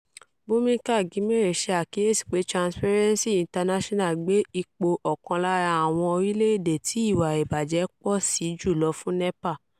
Bhumika Ghimire ṣe àkíyèsi pé Transparency International gbé ipò ọ̀kan lára àwọn orílẹ̀-èdè tí ìwà ìbàjẹ́ pọ̀ sí jùlọ fún Nepal.